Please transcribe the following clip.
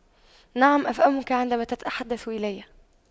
نعم افهمك عندما تتحدث إلي